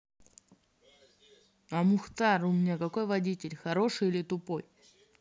а мухтар у меня какой водитель хороший или тупой